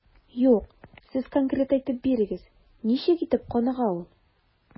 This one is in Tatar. Юк, сез конкрет әйтеп бирегез, ничек итеп каныга ул?